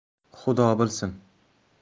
xudo bilsin